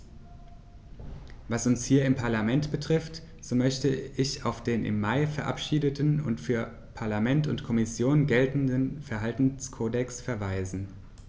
Was uns hier im Parlament betrifft, so möchte ich auf den im Mai verabschiedeten und für Parlament und Kommission geltenden Verhaltenskodex verweisen.